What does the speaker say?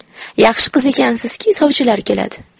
yaxshi qiz ekansizki sovchilar keladi